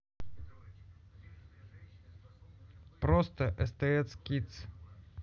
просто стс кидс